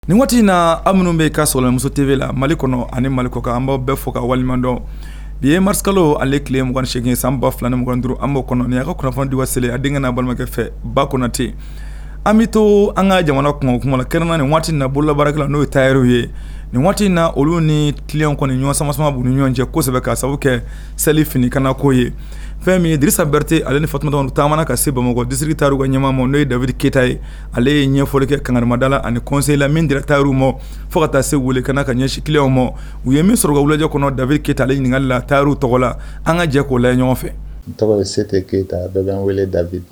Nin waati in na an minnu bɛ ka sɔrɔmuso tɛbe la mali kɔnɔ ani malikɔkan an baw bɛɛ fɔ ka walimadɔ nin ye mari ale tile08egin san ba0induru an kɔnɔ nin a ka kunnafonidi wase a denkɛ balimakɛ fɛ ba kɔnɔte an bɛ to an ka jamana kun kɛnɛrɛnna nin waati in na bolobarikila n'o ye tariw ye nin waati in na olu ni tile kɔni ɲɔgɔn sanmasas ɲɔgɔn cɛsɛbɛ ka sababu kɛ seli fini kanako ye fɛn min ye disa berete ale ni fatumaw tamana ka se bamakɔdisiri tar u ka ɲɛmaama n' ye dawuri keyitata ye ale ye ɲɛfɔli kɛ kangamadala ani kɔnsela min di tari ma fo ka taa se weele kana ka ɲɛsin kiw ma u ye min sɔrɔka lajɛjɛ kɔnɔ dabi keyitali ɲininkali la tariw tɔgɔ la an ka jɛ k'o la ɲɔgɔn fɛ keyita an wele dabi